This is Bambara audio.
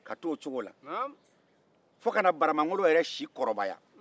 ka to o cogo la fo ka na baramangolo yɛrɛ si kɔrɔbaya